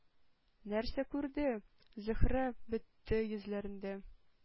Нәрсә күрде?! — Зәһре бетте йөзләрендә,